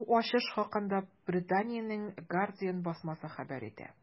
Бу ачыш хакында Британиянең “Гардиан” басмасы хәбәр итә.